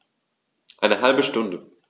Eine halbe Stunde